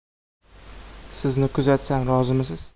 sizni kuzatsam rozimisiz